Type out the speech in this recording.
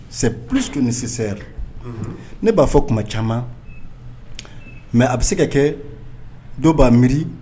Sɛ p tun ni sisansɛyarari ne b'a fɔ tuma caman mɛ a bɛ se ka kɛ dɔ b'a miiri